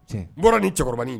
Bɔra ni cɛkɔrɔbain